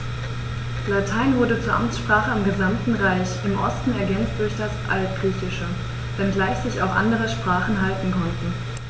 Latein wurde zur Amtssprache im gesamten Reich (im Osten ergänzt durch das Altgriechische), wenngleich sich auch andere Sprachen halten konnten.